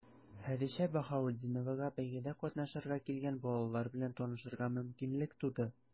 Хәдичә Баһаветдиновага бәйгедә катнашырга килгән балалар белән танышырга мөмкинлек туды.